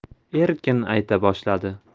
erkin ayta boshladi